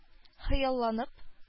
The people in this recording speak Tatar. Хыялланып